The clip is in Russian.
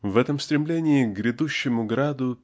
В этом стремлении к Грядущему Граду